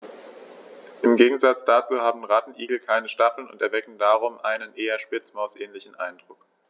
Im Gegensatz dazu haben Rattenigel keine Stacheln und erwecken darum einen eher Spitzmaus-ähnlichen Eindruck.